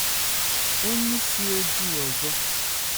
Onye isi ojii ọzọ?!